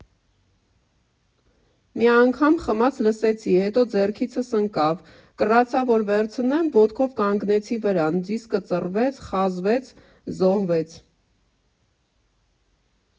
Մի անգամ խմած լսեցի, հետո ձեռքիցս ընկավ, կռացա, որ վերցնեմ՝ ոտքով կանգնեցի վրան, դիսկը ծռվեց, խազվեց, զոհվեց…